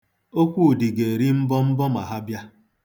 Okwudị ga-eri mbọmbọ ma ha bịa.